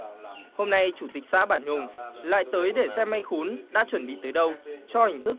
hôm nay chủ tịch xã bản nhùng lại tới để xem anh khún đã chuẩn bị tới đâu cho hình thức